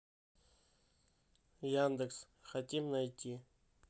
яндекс хотим найти